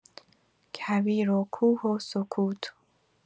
کویر و کوه و سکوت